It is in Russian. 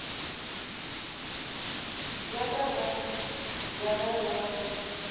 задавай задавай